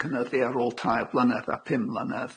cynyddu ar ôl tair blynedd a pum mlynedd.